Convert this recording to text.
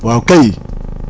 waaw kay